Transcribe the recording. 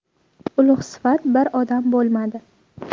ulug'sifat bir odam bo'lmadi